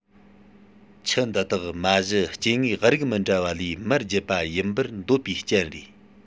ཁྱི འདི དག མ གཞི སྐྱེ དངོས རིགས མི འདྲ བ ལས མར བརྒྱུད པ ཡིན པར འདོད པའི རྐྱེན རེད